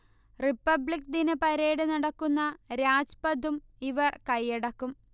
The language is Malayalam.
റിപ്പബ്ലിക് ദിന പരേഡ് നടക്കുന്ന രാജ്പഥും ഇവർ കൈയടക്കും